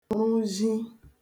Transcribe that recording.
rụzhi